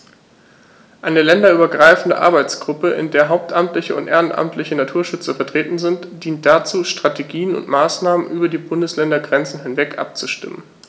Eine länderübergreifende Arbeitsgruppe, in der hauptamtliche und ehrenamtliche Naturschützer vertreten sind, dient dazu, Strategien und Maßnahmen über die Bundesländergrenzen hinweg abzustimmen.